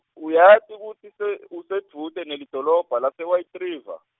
uyati kutsi se usedvute nelidolobha lase- White River?